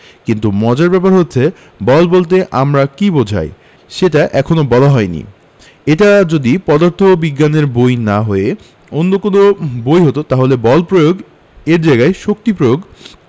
কিন্তু মজার ব্যাপার হচ্ছে বল বলতে আমরা কী বোঝাই সেটা এখনো বলা হয়নি এটা যদি পদার্থবিজ্ঞানের বই না হয়ে অন্য কোনো বই হতো তাহলে বল প্রয়োগ এর জায়গায় শক্তি প্রয়োগ